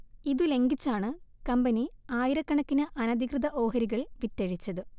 ഇതു ലംഘിച്ചാണ് കമ്പനി ആയിരക്കണക്കിന് അനധികൃത ഓഹരികൾ വിറ്റഴിച്ചത്